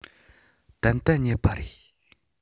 ཏན ཏན རྙེད པ རེད